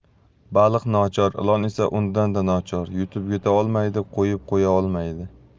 baliq nochor ilon esa undan da nochor yutib yuta olmaydi qo'yib qo'ya olmaydi